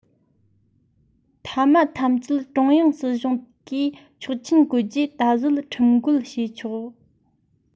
མཐའ མ ཐམས ཅད ཀྲུང དབྱང སྲིད གཞུང གིས ཆོག མཆན བཀོད རྗེས ད གཟོད ཁྲིར འགོད བྱས ཆོག